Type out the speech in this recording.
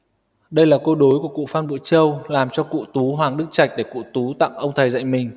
đây là câu đối của cụ phan bội châu làm cho cụ tú hoàng đức trạch để cụ tú tặng ông thầy dạy mình